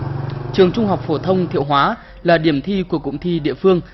trường trung học phổ thông thiệu hóa là điểm thi của cụm thi địa phương